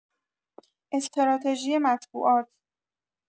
استراتژی مطبوعات